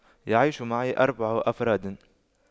يعيش معي أربع أفراد